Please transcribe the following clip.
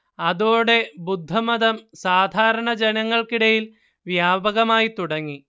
അതോടെ ബുദ്ധമതം സാധാരണ ജനങ്ങൾക്കിടയിൽ വ്യാപകമായിത്തുടങ്ങി